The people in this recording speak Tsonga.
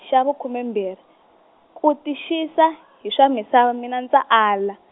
xa vukhume mbirhi, ku tixisa , hi swa misava mina ndza a la.